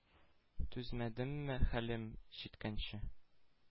Түзмәдемме хәлем җиткәнче?